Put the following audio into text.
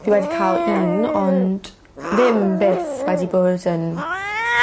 Fi wedi ca'l un ond ddim byth wedi bod yn